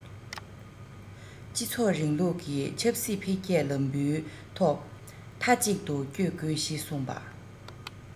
སྤྱི ཚོགས རིང ལུགས ཀྱི ཆབ སྲིད འཕེལ རྒྱས ལམ བུའི ཐོག མཐའ གཅིག ཏུ སྐྱོད དགོས ཞེས གསུངས པ